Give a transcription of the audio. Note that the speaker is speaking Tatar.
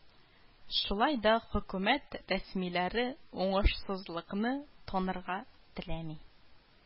Шулай да хөкүмәт рәсмиләре уңышсызлыкны танырга теләми